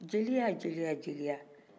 jeliya jeliya jeliya